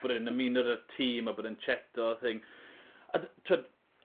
bod e'n ymuno 'da'r tîm a bod e'n cheto a thing a dy- t'wod